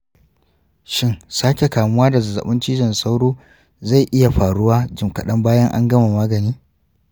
shin sake kamuwa da zazzabin cizon sauro zai iya faruwa jim kaɗan bayan an gama magani?